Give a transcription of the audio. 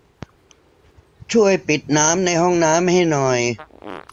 ช่วยปิดน้ำในห้องน้ำให้หน่อย